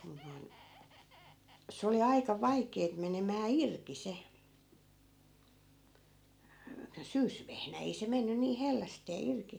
mutta noin se oli aika vaikeata menemään irti se syysvehnä ei se mennyt niin hellästi irti